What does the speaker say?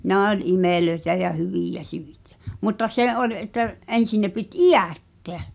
ne oli imeliä ja hyviä - mutta se oli että ensin ne piti idättää